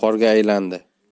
yog'inlar qorga aylandi